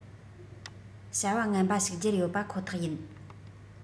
བྱ བ ངན པ ཞིག སྦྱར ཡོད པ ཁོ ཐག ཡིན